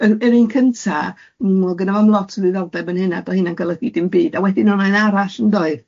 Yn yn un cynta m- oedd gynna fo'm lot o ddiddordeb yn hynna, doedd hynna'n golygu dim byd, a wedyn oedd yna un arall yndoedd?